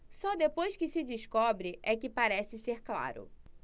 só depois que se descobre é que parece ser claro